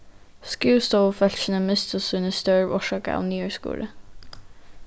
skrivstovufólkini mistu síni størv orsakað av niðurskurði